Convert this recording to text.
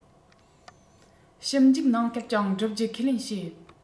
ཞིབ འཇུག གནང སྐབས ཀྱང བསྒྲུབ རྒྱུ ཁས ལེན བྱེད